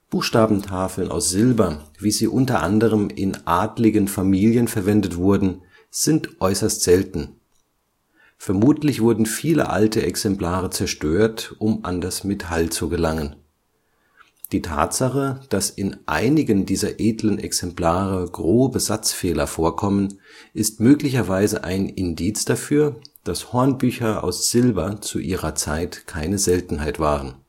Buchstabentafeln aus Silber, wie sie unter anderem in adligen Familien verwendet wurden, sind äußerst selten. Vermutlich wurden viele alte Exemplare zerstört, um an das Metall zu gelangen. Die Tatsache, dass in einigen dieser edlen Exemplare grobe Satzfehler vorkommen, ist möglicherweise ein Indiz dafür, dass Hornbücher aus Silber zu ihrer Zeit keine Seltenheit waren